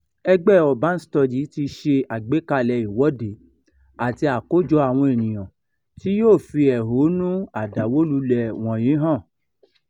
Ẹgbẹ́ Urban Study ti ṣe àgbékalẹ̀ ìwọ́de àti àkójọ àwọn ènìyàn tí yóò fi ẹ̀hónú àdàwólulẹ̀ wọ̀nyí hàn.